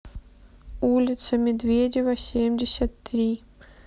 улица медведева семьдесят три